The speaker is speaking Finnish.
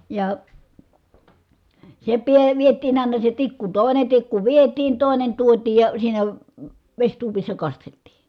ja se pää vietiin aina se tikku toinen tikku vietiin toinen tuotiin ja siinä vesituopissa kasteltiin